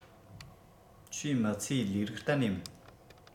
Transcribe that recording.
ཁྱོའི མི ཚེའི ལས རིགས གཏན ནས མིན